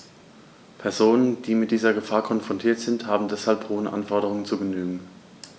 Personen, die mit dieser Gefahr konfrontiert sind, haben deshalb hohen Anforderungen zu genügen.